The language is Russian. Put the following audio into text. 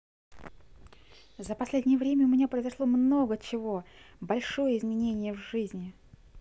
за последнее время у меня произошло много чего большое изменение в жизни